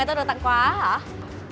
tôi được tặng quà á hả